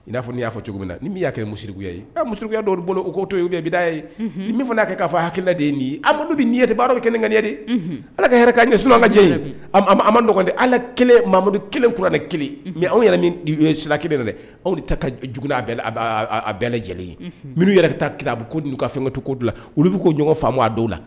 N'a fɔ' y'a fɔ cogo min na ni min y'a kɛ misikuya ye musoya dɔw bolo o'o to'' daa ye ni'a kɛ k'a fɔ ha hakilila de ye ye amadu bɛ ɲɛ baara bɛ kelen ka ɲɛ de ala ka' ɲɛ sunjɛ ye a ma dɔgɔn di ala kelen amadumadu kelenuran ni kelen mɛ anw yɛrɛ sira kelen na dɛ aw de ta j a bɛɛ lajɛlen ye minnuu yɛrɛ ka taa kirabu kou ka fɛntu ko bila olu bɛ k'o ɲɔgɔn faama dɔw la